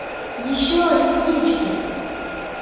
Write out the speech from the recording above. еще реснички